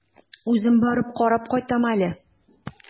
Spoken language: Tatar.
Үзем барып карап кайтам әле.